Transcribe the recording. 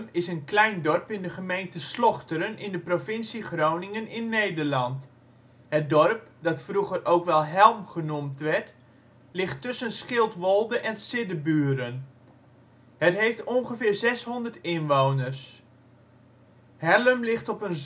is een klein dorp in de gemeente Slochteren in de provincie Groningen (Nederland). Het dorp, dat vroeger ook wel Helm genoemd werd, ligt tussen Schildwolde en Siddeburen. Het heeft ongeveer 600 inwoners. Hellum ligt op een zandrug